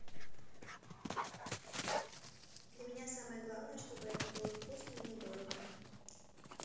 для меня самое главное чтобы это было вкусно и недорого